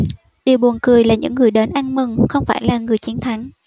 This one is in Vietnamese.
điều buồn cười là những người đến ăn mừng không phải là người chiến thắng